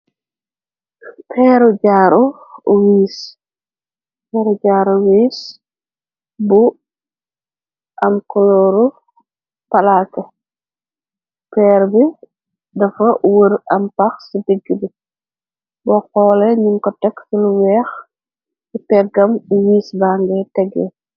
peeru jaaru wiis bu am kolooru palaake peer bi dafa wër am pax ci digg bi waxoole nim ko teg ci lu weex di teggam wiis bange tegee